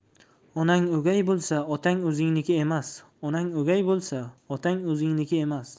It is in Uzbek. onang o'gay bo'lsa otang o'zingniki emas